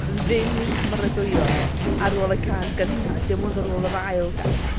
ddim i cymeradwyo ar ôl y cân gyntaf dim ond ar ôl yr ail gân.